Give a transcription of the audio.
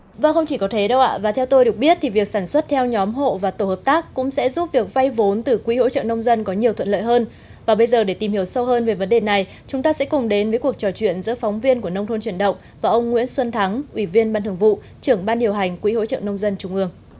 vâng không chỉ có thế đâu ạ và theo tôi được biết thì việc sản xuất theo nhóm hộ và tổ hợp tác cũng sẽ giúp việc vay vốn từ quỹ hỗ trợ nông dân có nhiều thuận lợi hơn và bây giờ để tìm hiểu sâu hơn về vấn đề này chúng ta sẽ cùng đến với cuộc trò chuyện giữa phóng viên của nông thôn chuyển động và ông nguyễn xuân thắng ủy viên ban thường vụ trưởng ban điều hành quỹ hỗ trợ nông dân trung ương